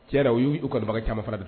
Tiɲɛ na o y' u kanubaga caaman fana bila